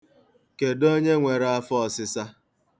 Kedụ onye nwere afọọsịsa?